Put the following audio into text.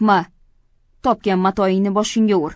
ma topgan matoingni boshingga ur